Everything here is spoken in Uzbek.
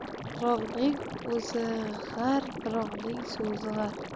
birovning o'zi g'ar birovning so'zi g'ar